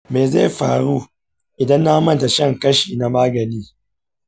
me zai faru idan na manta shan kashi na magani?